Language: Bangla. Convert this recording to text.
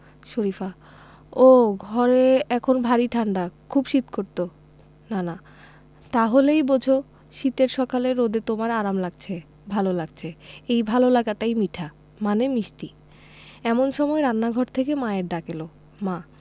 শরিফা ওহ ঘরে এখন ভারি ঠাণ্ডা খুব শীত করত নানা তা হলেই বোঝ শীতের সকালে রোদে তোমার আরাম লাগছে ভালো লাগছে এই ভালো লাগাটাই মিঠা মানে মিষ্টি এমন সময় রান্নাঘর থেকে মায়ের ডাক এলো মা